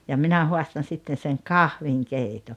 ja minä haastan sitten sen kahvinkeiton